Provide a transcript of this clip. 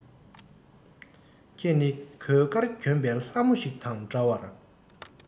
ཁྱེད ནི གོས དཀར གྱོན པའི ལྷ མོ ཞིག དང འདྲ བར